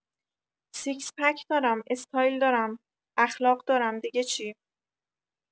سیکس پک دارم استایل دارم اخلاق دارم دیگه چی؟